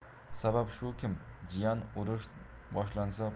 sabab shukim jiyan urush boshlansa